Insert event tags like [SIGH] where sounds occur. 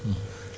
[HESITATION] [HESITATION]